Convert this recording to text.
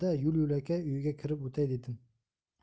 yo'lakay uyga kirib o'tay dedim